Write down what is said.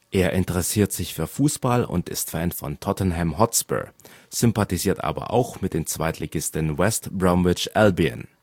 Er interessiert sich für Fußball und ist Fan von Tottenham Hotspur, sympathisiert aber auch mit dem Zweitligisten West Bromwich Albion